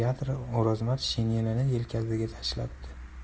brigadir o'rozmat shinelini yelkasiga tashlabdi